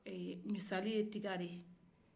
misali ye tiga de ye